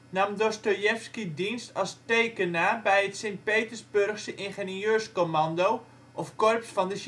nam Dostojevski dienst als tekenaar bij het Sint-Petersburgse ingenieurscommando of korps van de